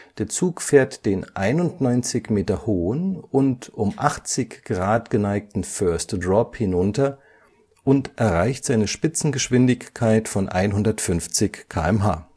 Der Zug fährt den 91 Meter hohen und um 80 Grad geneigten First Drop hinunter und erreicht seine Spitzengeschwindigkeit von 150 km/h